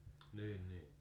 niin niin